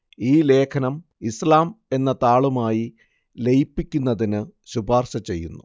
ഈ ലേഖനം ഇസ്ലാം എന്ന താളുമായി ലയിപ്പിക്കുന്നതിന് ശുപാർശ ചെയ്യുന്നു